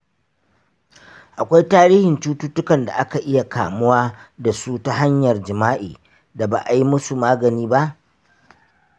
akwai tarihin cututtukan da ake iya kamuwa da su ta hanyar jima’i da ba a yi musu magani ba?